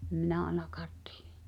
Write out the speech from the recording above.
en minä ainakaan tiedä